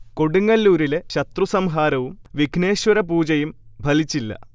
കൊടുങ്ങല്ലൂരിലെ ശത്രു സംഹാരവും വിഘ്നേശ്വര പൂജയും ഫലിച്ചില്ല